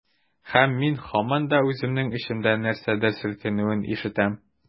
Һәм мин һаман да үземнең эчемдә нәрсәдер селкенүен ишетәм.